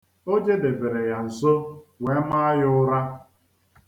O jedebere ya nso, wee maa ya ụra.